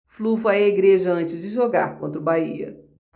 flu vai à igreja antes de jogar contra o bahia